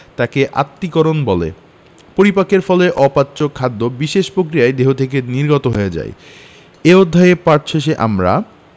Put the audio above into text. যাকে আত্তীকরণ বলে পরিপাকের পর অপাচ্য খাদ্য বিশেষ প্রক্রিয়ায় দেহ থেকে নির্গত হয়ে যায় এ অধ্যায় পাঠ শেষে আমরা